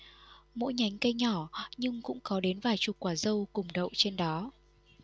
mỗi nhánh cây nhỏ nhưng cũng có đến vài chục quả dâu cùng đậu trên đó